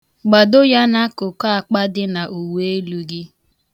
Gbado ya n'akụkụ akpa dị n'uweelu gị.